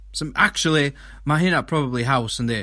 So m- acshyli ma' hynna probably haws yndi?